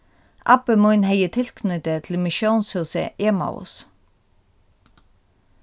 abbi mín hevði tilknýti til missiónshúsið emmaus